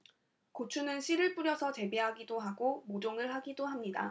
고추는 씨를 뿌려서 재배하기도 하고 모종을 하기도 합니다